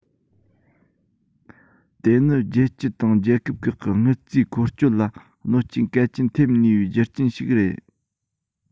དེ ནི རྒྱལ སྤྱི དང རྒྱལ ཁབ ཁག གི དངུལ རྩའི འཁོར སྐྱོད ལ གནོད རྐྱེན གལ ཆེན ཐེབས ནུས པའི རྒྱུ རྐྱེན ཞིག རེད